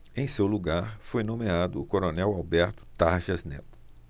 em seu lugar foi nomeado o coronel alberto tarjas neto